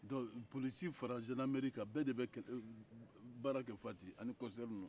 donke polosi fara zandarmeri bɛɛ de bɛ baara kɛ fati ye ani kɔgisɛri ninnu